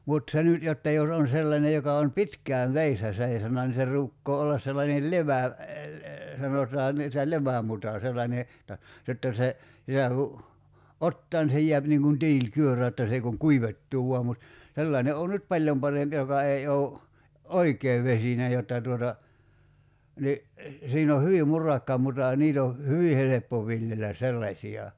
mutta se nyt jotta jos on sellainen joka on pitkään vedessä seisonut niin se ruukaa olla sellainen - sanotaan niin että levämuta sellainen jotta jotta se sitä kun ottaa niin se jää niin kuin tiilikyörö jotta se ei kuin kuivettuu vain mutta sellainen on nyt paljon parempi joka ei ole oikein vesinen jotta tuota niin siinä on hyvin murakka muta ja niitä on hyvin helppo viljellä sellaisia